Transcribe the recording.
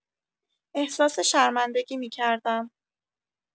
احساس شرمندگی می‌کردم.